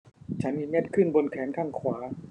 ฉันมีเม็ดขึ้นบนแขนข้างขวา